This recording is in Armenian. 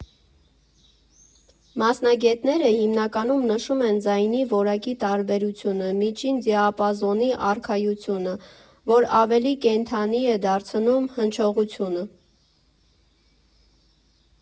Մասնագետները հիմնականում նշում են ձայնի որակի տարբերությունը, միջին դիապազոնի առկայությունը, որ ավելի կենդանի է դարձնում հնչողությունը։